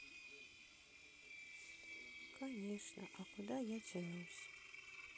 конечно а куда я тянусь